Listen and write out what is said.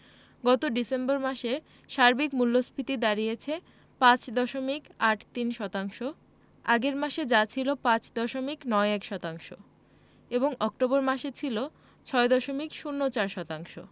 গত ডিসেম্বর মাসে সার্বিক মূল্যস্ফীতি দাঁড়িয়েছে ৫ দশমিক ৮৩ শতাংশ আগের মাসে যা ছিল ৫ দশমিক ৯১ শতাংশ এবং অক্টোবর মাসে ছিল ৬ দশমিক ০৪ শতাংশ